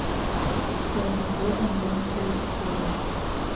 кто такой антон старикович